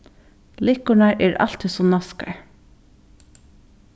likkurnar er altíð so naskar